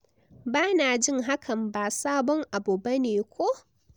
"" "Bana jin hakan ba sabon abu bane, ko?"."